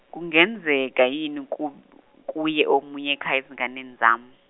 kungenzeka yini ku- kuye omunye ekhaya ezinganeni zam-.